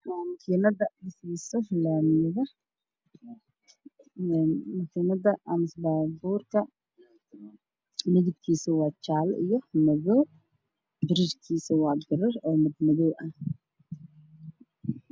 Waa cagaf cagaf midabkeedu yahay jaalo madow waxay taagan tahay meel